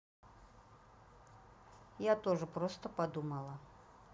я тоже просто подумала